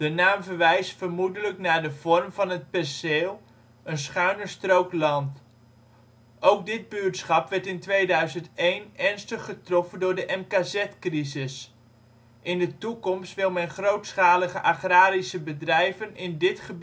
naam verwijst vermoedelijk naar de vorm van het perceel (schuine strook land). Ook dit buurtschap werd in 2001 ernstig getroffen door de MKZ-crisis. In de toekomst wil men grootschalige agrarische bedrijven in dit gebied concentreren